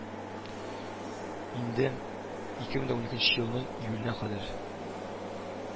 Инде, ике мең дә уникенче елның июленә кадәр